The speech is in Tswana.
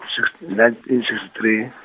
sixty, nineteen sixty three.